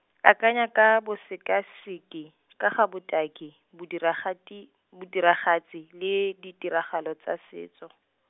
akanya ka bosekaseki, ka ga botaki, bodirati-, bodiragatsi, le ditiragalo tsa setso .